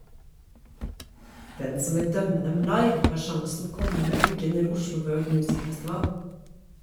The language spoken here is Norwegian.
Den som vil dømme dem live, har sjansen kommende uke under Oslo World Music Festival.